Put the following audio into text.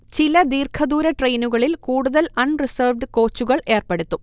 ചില ദീർഘദൂര ട്രെയിനുകളിൽ കൂടുതൽ അൺ റിസർവ്ഡ് കോച്ചുകൾ ഏർപ്പെടുത്തും